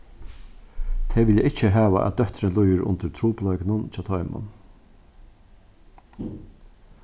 tey vilja ikki hava at dóttirin líðir undir trupulleikunum hjá teimum